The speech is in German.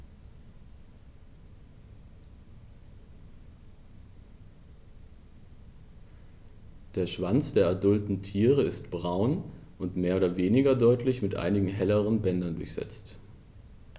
Der Schwanz der adulten Tiere ist braun und mehr oder weniger deutlich mit einigen helleren Bändern durchsetzt.